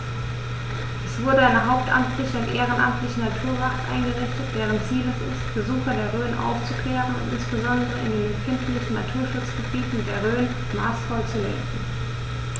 Es wurde eine hauptamtliche und ehrenamtliche Naturwacht eingerichtet, deren Ziel es ist, Besucher der Rhön aufzuklären und insbesondere in den empfindlichen Naturschutzgebieten der Rhön maßvoll zu lenken.